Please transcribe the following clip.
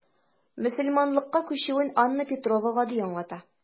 Мөселманлыкка күчүен Анна Петрова гади аңлата.